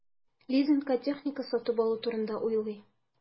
Лизингка техника сатып алу турында уйлый.